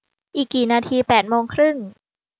อีกกี่นาทีแปดโมงครึ่ง